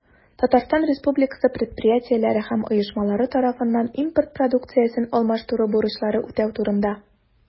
Татарстан Республикасы предприятиеләре һәм оешмалары тарафыннан импорт продукциясен алмаштыру бурычларын үтәү турында.